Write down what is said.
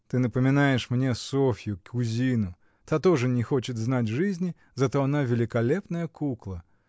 — Ты напоминаешь мне Софью, кузину: та тоже не хочет знать жизни, зато она — великолепная кукла!